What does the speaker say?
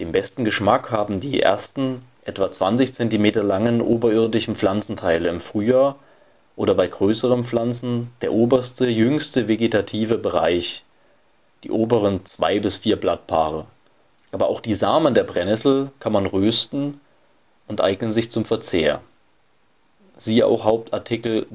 besten Geschmack haben die ersten, etwa 20 Zentimeter langen oberirdischen Pflanzenteile im Frühjahr oder bei größeren Pflanzen der oberste jüngste vegetative Bereich, die oberen zwei bis vier Blattpaare. Aber auch die Samen der Brennnessel kann man rösten und eignen sich zum Verzehr. → Hauptartikel: Brennnesselspinat Der